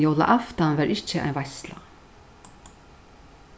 men jólaaftan var ikki ein veitsla